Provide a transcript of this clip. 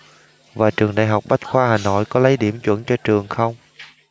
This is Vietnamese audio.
và trường đại học bách khoa hà nội có lấy điểm chuẩn cho trường không